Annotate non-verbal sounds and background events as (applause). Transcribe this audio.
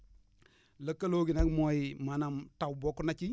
(breath) lëkkaloo gi nag mooy maanaam taw bokk na ci